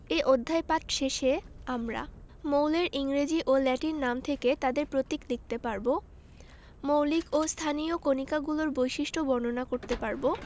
এ অধ্যায় পাঠ শেষে আমরা মৌলের ইংরেজি ও ল্যাটিন নাম থেকে তাদের প্রতীক লিখতে পারব মৌলিক ও স্থায়ী কণিকাগুলোর বৈশিষ্ট্য বর্ণনা করতে পারব